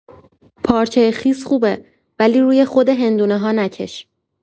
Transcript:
پارچه خیس خوبه، ولی روی خود هندونه‌ها نکش.